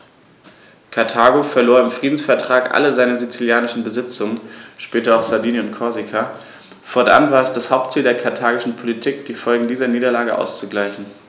Karthago verlor im Friedensvertrag alle seine sizilischen Besitzungen (später auch Sardinien und Korsika); fortan war es das Hauptziel der karthagischen Politik, die Folgen dieser Niederlage auszugleichen.